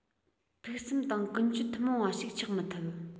ཕུགས བསམ དང ཀུན སྤྱོད ཐུན མོང བ ཞིག ཆགས མི ཐུབ